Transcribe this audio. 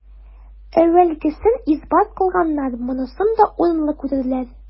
Әүвәлгесен исбат кылганнар монысын да урынлы күрерләр.